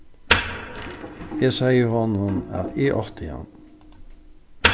eg segði honum at eg átti hann